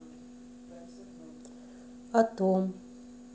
о том